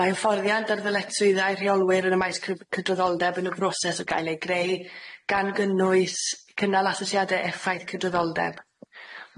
Mae hyfforddiant ar ddyletswyddau rheolwyr yn y maes cy- cydraddoldeb yn y broses o gael ei grei gan gynnwys cynnal asesiade effaith cydraddoldeb.